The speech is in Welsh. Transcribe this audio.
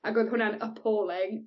ag oedd hwnna'n appalling